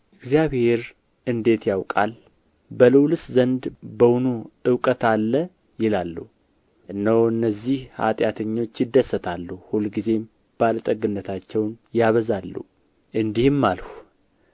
እግዚአብሔር እንዴት ያውቃል በልዑልስ ዘንድ በውኑ እውቀት አለ ይላሉ እነሆ እነዚህ ኃጢአተኞች ይደሰታሉ ሁልጊዜም ባለጠግነታቸውን ያበዛሉ እንዲህም አልሁ